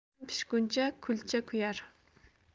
non pishguncha kulcha kuyar